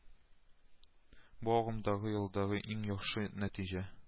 Бу агымдагы елдагы иң яхшы нәтиҗә